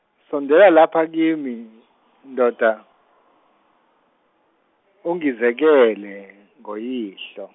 sondela lapha kimi, ndoda ungizekele ngoyihlo.